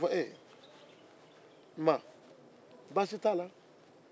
a b'a fɔ baasi t' al n ma